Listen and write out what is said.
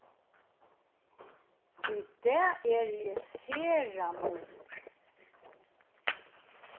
í dag eri eg sera móður